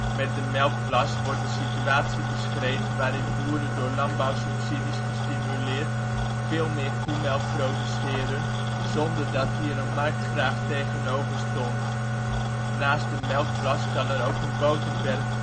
Met de melkplas wordt de situatie beschreven waarin boeren door landbouwsubsidies gestimuleerd, veel meer koemelk produceren, zonder dat hier een marktvraag tegenover stond. Naast de melkplas kan er ook een boterberg